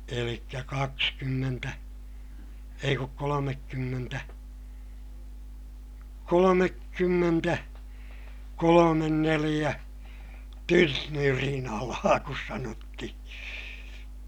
eli kaksikymmentä ei kun kolmekymmentä kolmekymmentä kolme neljä tynnyrinalaa kun sanottiin